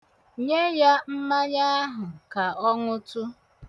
Nye ya mmanya ahụ ka ọ ṅụtụ.